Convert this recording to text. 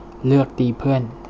เลือกตีเพื่อน